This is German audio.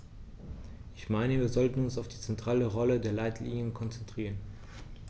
Ich meine, wir sollten uns auf die zentrale Rolle der Leitlinien konzentrieren.